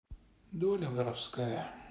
доля воровская